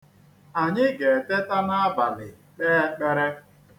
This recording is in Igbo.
Anyi ga-eteta n'abali kpee ekpere.